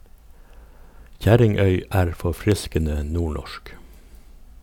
Kjerringøy er forfriskende nordnorsk!